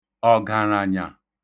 ọ̀ġàrànyà